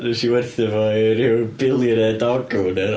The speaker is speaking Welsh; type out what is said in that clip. A wnes i werthu fo i ryw billionaire dog owner.